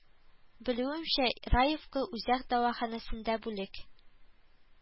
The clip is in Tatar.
Белүемчә, раевка үзәк дәваханәсендә бүлек